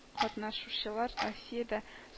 Катнашучылар россиядә